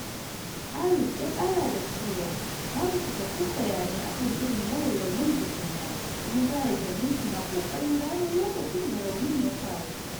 Harris ya kara da cewa "babu cikakkun bayanai akan irin/yawan raunin tukunna " kuma Jihar Tennessee na ƙokarin gano lokacin da rauni ya faru.